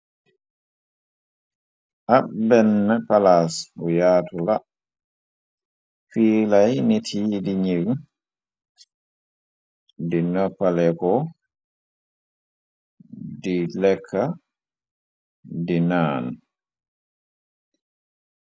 Ab benn palaas bu yaatu la fiilay nit yi di njig di nëppaleko di lekka di naan.